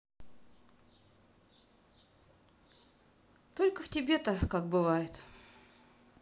только в тебе как бывает